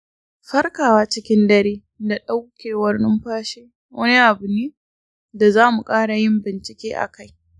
farkawa cikin dare da ɗaukewar numfashi wani abu ne da za mu ƙara yin bincike akai